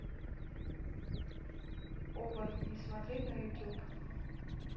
оборотней смотреть на ютуб